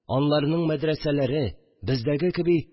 Анларның мәдрәсәләре, бездәге кеби